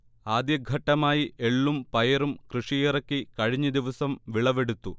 ആദ്യഘട്ടമായി എള്ളും പയറും കൃഷിയിറക്കി കഴിഞ്ഞദിവസം വിളവെടുത്തു